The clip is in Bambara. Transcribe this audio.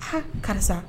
Ha, karisa.